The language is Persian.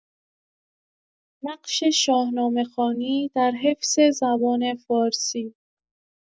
نقش شاهنامه‌خوانی در حفظ زبان فارسی